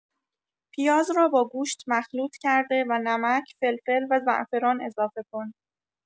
پیاز را با گوشت مخلوط کرده و نمک، فلفل و زعفران اضافه کن.